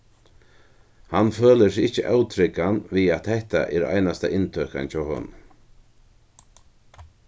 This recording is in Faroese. hann følir seg ikki ótryggan við at hetta er einasta inntøkan hjá honum